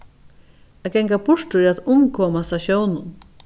at ganga burtur er at umkomast á sjónum